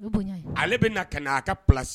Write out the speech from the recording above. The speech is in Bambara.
Ale bɛ na ka na a ka pasi